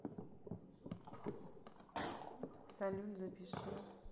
салют запиши